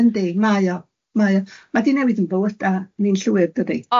Yndi mae o mae o ma' di newid yn bywyda ni'n llwyr dydi?